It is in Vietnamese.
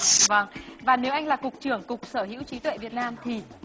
vâng và nếu anh là cục trưởng cục sở hữu trí tuệ việt nam thì